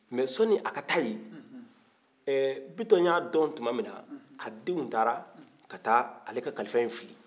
mɛ sɔnni a ka taa yen ɛɛ biton y'a dɔn tuma min na a denw taara ka taa ale ka kalifa in fili